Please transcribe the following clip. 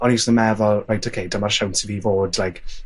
o'n i jys' yn meddwl reit ok dyma'r siawns i fi fod like